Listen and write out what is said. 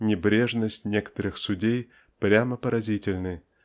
небрежность некоторых судей прямо поразительны